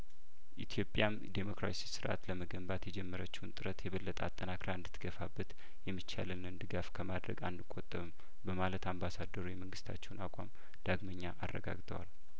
ኢትዮጵያም ዴሞክራሲ ስርአት ለመገንባት የጀመረችውን ጥረት የበለጠ አጠናክራ እንድትገፋበት የሚቻለንን ድጋፍ ከማድረግ አንቆጠብም በማለት አምባሳደሩ የመንግስታቸውን አቋም ዳግመኛ አረጋግጠዋል